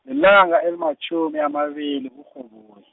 lilanga elimatjhumi, amabili kuRhoboyi.